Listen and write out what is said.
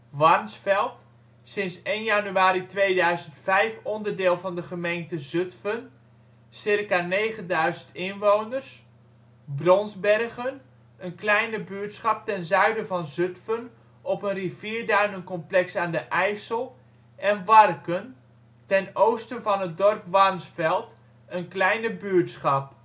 Warnsveld, sinds 1 januari 2005 onderdeel van de Gemeente Zutphen, circa 9000 inwoners Bronsbergen, kleine buurtschap ten zuiden van Zutphen op een rivierduinencomplex aan de IJssel Warken, ten oosten van het dorp Warnsveld; kleine buurtschap